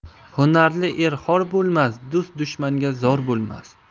hunarli er xor bo'lmas do'st dushmanga zor bo'lmas